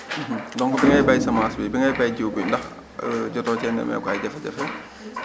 donc bi ngay béy semence bi bi ngay béy jiwu bi ndax jotoo cee nemmeeku ay jafe-jafe